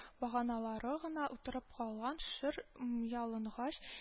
Баганалары гына утырып калган шыр ялангач